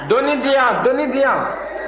doni di yan doni di yan